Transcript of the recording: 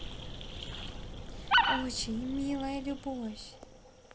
очень милая любовь